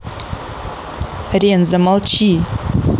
рен замолчи